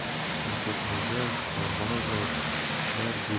shavkat mirziyoyev farg'ona viloyati ichki ishlar